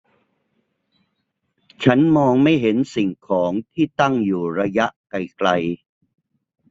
ฉันมองไม่เห็นสิ่งของที่ตั้งอยู่ระยะไกลไกล